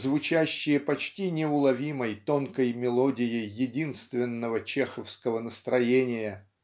звучащие почти неуловимой тонкой мелодией единственного чеховского настроения